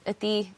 ydi